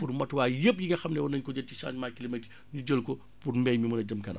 pour matuwaay yépp yi nga xam ne war nañu ko jël ci changement climatique ñu jël ko pour mbay mi mën a jëm kanam